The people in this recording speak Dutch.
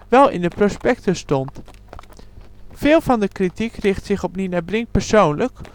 wel in het prospectus stond. Veel van de kritiek richt zich op Nina Brink persoonlijk